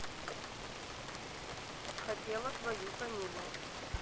хотела твою фамилию